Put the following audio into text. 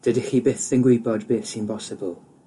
Dydych chi byth yn gwybod beth sy'n bosibl